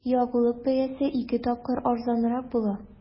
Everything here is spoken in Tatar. Ягулык бәясе ике тапкыр арзанрак була.